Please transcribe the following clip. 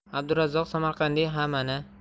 abdurazzoq samarqandiy ha mana